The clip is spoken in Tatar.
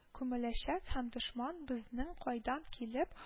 Күмеләчәк һәм дошман безнең кайдан килеп